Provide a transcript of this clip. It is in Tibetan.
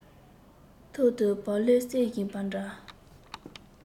ཐོག ཏུ བག ལེབ སྲེག བཞིན པ འདྲ